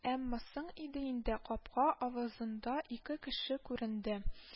Әмма соң иде инде, капка авызында ике кеше күренде